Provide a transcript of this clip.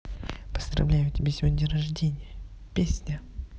поздравляю у тебя сегодня день рождения песня